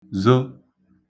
zo